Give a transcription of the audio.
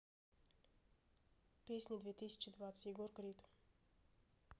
песни две тысячи двадцать егор крид